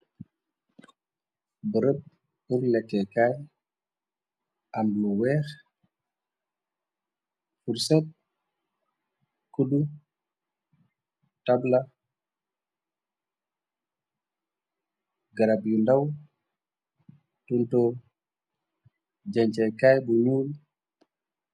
bërëb tur lekke kaay am lu weex furset kuddu tabla garab yu ndaw tunto jance kaay bu nuum